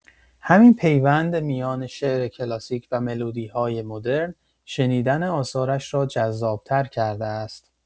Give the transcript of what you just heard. همین پیوند میان شعر کلاسیک و ملودی‌های مدرن، شنیدن آثارش را جذاب‌تر کرده است.